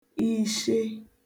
ishe